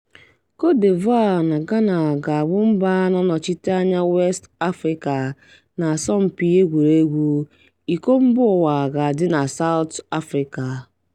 Côte D'Ivoire na Ghana ga-abụ mba na-anọchite anya West Afrịka n'asọmpi egwuregwu iko mba ụwa ga-adị na South Afrịka.